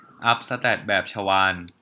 อัพแสตทแบบชวาล